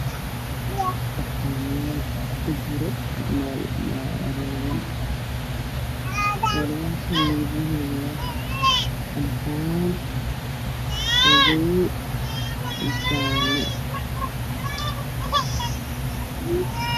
Waa bakaalayaal ku jiraan meel kalaradoodii kala yihiin caddaan jahalle madow